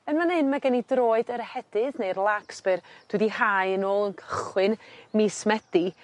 Yn fan 'yn ma' gen i droed yr ehedydd neu'r lark spur dwi 'di hau yn ôl yn cychwyn mis Medi